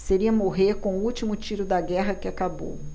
seria morrer com o último tiro da guerra que acabou